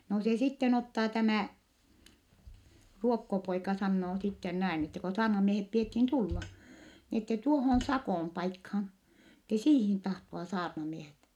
no se sitten ottaa tämä ruokkopoika sanoo sitten näin että kun saarnamiehet pidettiin tulla niin että tuohon Sakon paikkaan että siihen tahtoa saarnamiehet